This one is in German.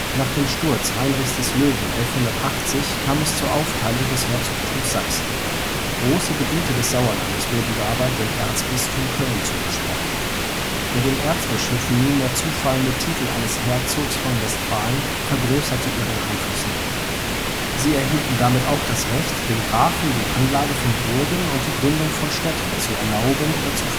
Nach dem Sturz Heinrichs des Löwen 1180 kam es zur Aufteilung des Herzogtums Sachsen. Große Gebiete des Sauerlandes wurden dabei dem Erzbistum Köln zugesprochen. Der den Erzbischöfen nunmehr zufallende Titel eines Herzogs von Westfalen vergrößerte ihren Einfluss noch. Sie erhielten damit auch das Recht, den Grafen die Anlage von Burgen und die Gründung von Städten zu erlauben oder zu